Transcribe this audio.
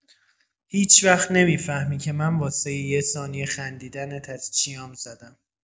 هیچوقت نمی‌فهمی که من واسۀ یه ثانیه خندیدنت از چیام زدم!